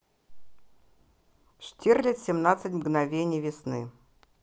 штирлиц семнадцать мгновений весны